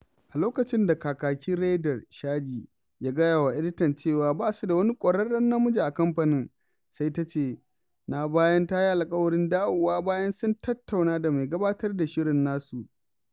A lokacin da kakakin Reyder, Sergey, ya gaya wa editan cewa ba su da wani ƙwararren namiji a kamfanin, sai ta ce, na bayan ta yi alƙawarin dawowa bayan sun tattauna da mai gabatar da shirin nasu.